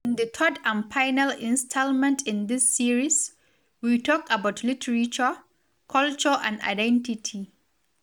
In the third and final instalment in this series, we talk about literature, culture and identity.